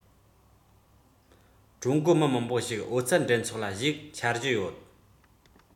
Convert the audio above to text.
ཀྲུང གོ མི མང པོ ཞིག ཨོ རྩལ འགྲན ཚོགས ལ ཞུགས འཆར གཞི ཡོད